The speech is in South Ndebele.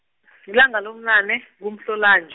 lilanga lobunane kuMhlolanj- .